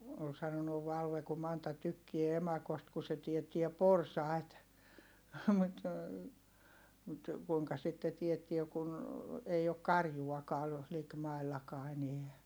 oli sanonut Valve kun Manta tykkää emakosta kun se teettää porsaita mutta kuinka sitten teettää kun ei ole karjuakaan likimaillakaan enää